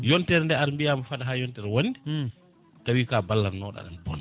yontere nde ara mbiya mi faada ha yontere wonde tawi ka ballannoɗo aɗana bonna